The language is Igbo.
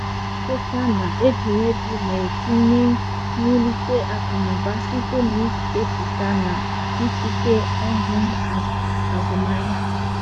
Onye ọbụla na-ekweta na egwuregwu na entinye mwulite akụnụba site na ikepụta na itute ọrụ azụmahịa.